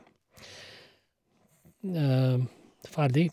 Ferdig.